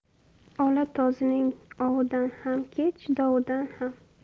ola tozining ovidan ham kech dovidan ham